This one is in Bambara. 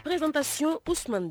Ne taa sun usmandi